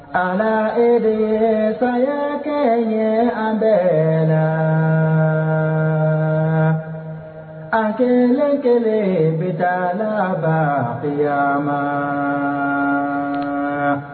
A sanya kɛ ye an bɛ la a kelen kelen bɛ taa laban ma